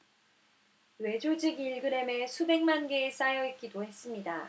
뇌 조직 일 그램에 수백만 개가 쌓여 있기도 했습니다